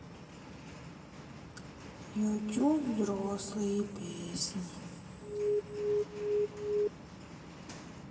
ютюб взрослые песни